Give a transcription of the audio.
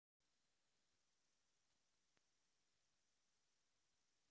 поставь следующую песню